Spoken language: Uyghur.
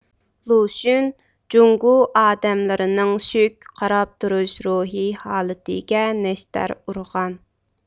لۇشۈن جۇڭگو ئادەملىرىنىڭ شۈك قاراپ تۇرۇش روھىي ھالىتىگە نەشتەر ئۇرغان